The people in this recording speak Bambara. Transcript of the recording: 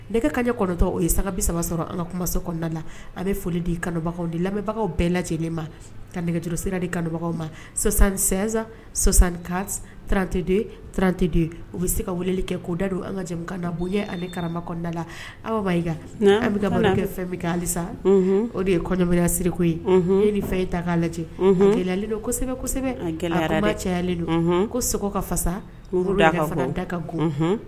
Nɛgɛkanjɛ kɔnɔntɔ o ye saga saba sɔrɔ an ka kusodala a bɛ foli di kanu lamɛnbagaw bɛɛ lajɛ lajɛlen ma ka nɛgɛjsira di kanubagaw ma sɔsansansan ka tranteden tranteden u bɛ se ka weleli kɛ koda don an kakanda bonya ale karama kɔndala aw an bɛ kakɛ fɛn kɛ alisa o de ye kɔɲɔbaliya siriko ye e ni fɛn i ta k' lajɛ kɛlɛ lalidon kosɛbɛ kosɛbɛ kɛlɛ cɛlen don ko sogo ka fasa da ka g